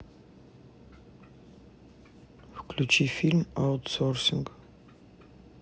включи фильм аутсорсинг